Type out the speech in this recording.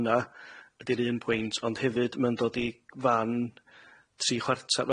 yna ydi'r un pwynt ond hefyd ma'n dod i fan tri chwarta-